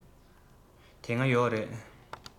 དེ སྔ ཡོད རེད